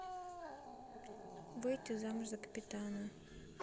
выйти замуж за капитана